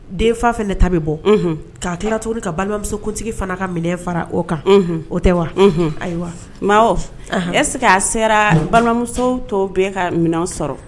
Denfafɛlɛ ta bɛ bɔ k'a to cogo ka balimamusokuntigi fana ka mi fara o kan o tɛ wa ayiwa maa ɛse a sera balimamuso tɔw bɛ ka minɛn sɔrɔ